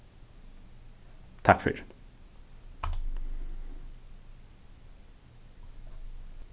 takk fyri